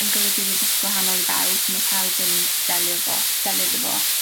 yn golygu rwbeth gwahanol i bawb. Ma' pawb yn delio fo. Delio 'da fo